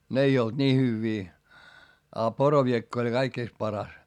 ne ei ollut niin hyviä a poroviekka oli kaikista paras